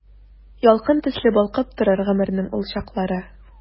Ялкын төсле балкып торыр гомернең ул чаклары.